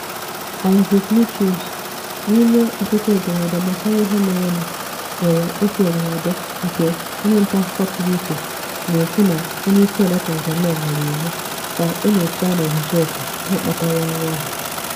Issa Michuzi, n'ime ọtụtụ ederede gbasara ihe merenụ, nwere otu ederede nke onye ntaakụkọ pụrụ iche, na-ekwu na Onyeisiala Tanzania nyere iwu ka e nyochaa n'ozuzuoke ihe kpatara ọnwụ ahụ.